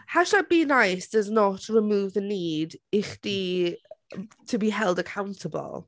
Hashtag be nice does not remove the need i chdi, to be held accountable.